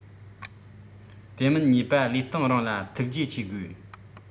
དེ མིན ཉེས པ ལུས སྟེང རང ལ ཐུགས རྗེ ཆེ དགོས